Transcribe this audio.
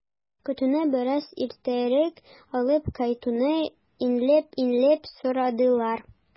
Көтүне бераз иртәрәк алып кайтуны инәлеп-инәлеп сорадылар.